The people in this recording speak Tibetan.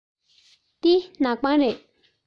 འདི ནག པང རེད